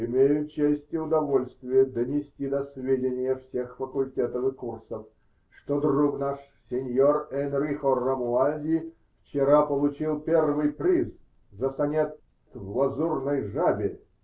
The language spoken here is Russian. Имею честь и удовольствие донести до сведения всех факультетов и курсов, что друг наш синьор "Энрихо" Ромуальди вчера получил первый приз за сонет в "Лазурной Жабе"!